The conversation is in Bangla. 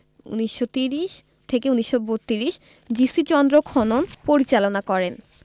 ১৯৩০ ৩২ জি.সি চন্দ্র খনন পরিচালনা করেন